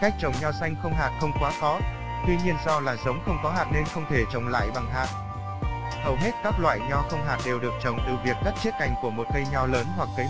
cách trồng nho xanh không hạt không quá khó tuy nhiên do là giống không có hạt nên không thể trồng lại bằng hạt hầu hết các loại nho không hạt đều được trồng từ việc cắt chiết cành của một cây nho lớn hoặc cấy mô